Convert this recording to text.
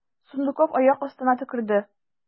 Сундуков аяк астына төкерде.